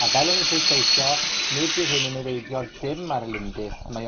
A fel o'n i'n pwysleisio, nid yw hyn yn niweidio dim ar y lindys. Mae